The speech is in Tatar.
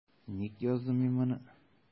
Ник яздым мин моны?